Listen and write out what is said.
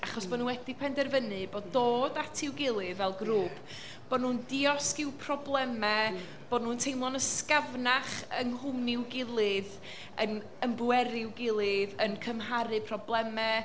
Achos bod nhw wedi penderfynu bod dod at i'w gilydd fel grŵp... ia. ...bod nhw'n diosg i'w problemau... ia. ...bod nhw'n teimlo'n ysgafnach yng nghwmni i'w gilydd yn ymbweru i'w gilydd, yn cymharu problemau.